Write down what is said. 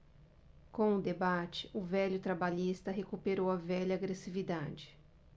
com o debate o velho trabalhista recuperou a velha agressividade